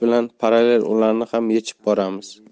bilan parallel ularni ham yechib boramiz